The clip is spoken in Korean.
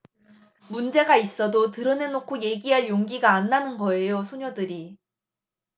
문제가 있어도 드러내놓고 얘기할 용기가 안 나는 거예요 소녀들이